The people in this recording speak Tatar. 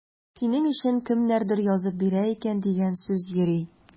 Синең өчен кемнәрдер язып бирә икән дигән сүз йөри.